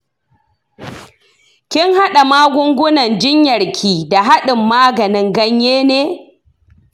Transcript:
kin hada magungunan jinyarki da hadin maganin ganye ne?